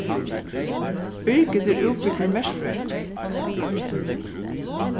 birgit er útbúgvin verkfrøðingur